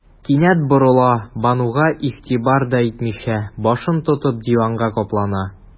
Кинәт борыла, Бануга игътибар да итмичә, башын тотып, диванга каплана.